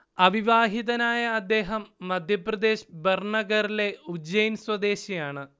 അവിവാഹിതനായ അദ്ദേഹം മധ്യപ്രദേശ് ബർണഗറിലെ ഉജ്ജയിൻ സ്വദേശിയാണ്